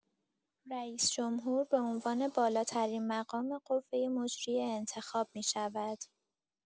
رییس‌جمهور به عنوان بالاترین مقام قوه مجریه انتخاب می‌شود.